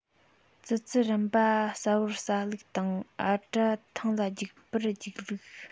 ཙི ཙི རམ པ ཟ བར ཟ ལུགས དང ཨ བྲ ཐང ལ རྒྱུག པར རྒྱུག ལུགས